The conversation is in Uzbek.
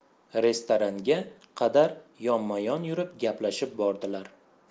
restoranga qadar yonma yon yurib gaplashib bordilar